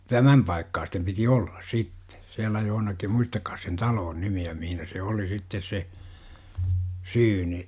tämän paikan piti olla sitten siellä jossakin muistakaan sen talon nimeä missä se oli sitten se syyni